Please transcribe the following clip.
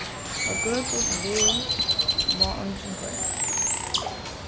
á gøtum og vegum má eingin koyra